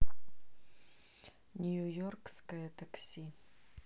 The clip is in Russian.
нью йоркское такси